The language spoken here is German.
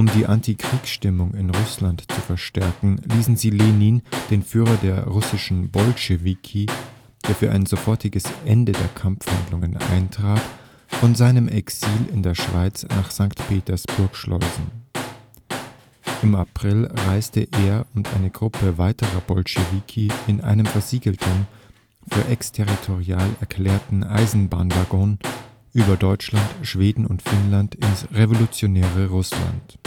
die Antikriegsstimmung in Russland zu verstärken, ließen sie Lenin, den Führer der russischen Bolschewiki, der für ein sofortiges Ende der Kampfhandlungen eintrat, von seinem Exil in der Schweiz nach Sankt Petersburg schleusen. Im April reisten er und eine Gruppe weiterer Bolschewiki in einem versiegelten, für exterritorial erklärten Eisenbahnwaggon über Deutschland, Schweden und Finnland ins revolutionäre Russland